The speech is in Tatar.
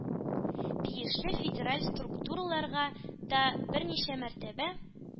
Тиешле федераль структураларга да берничә мәртәбә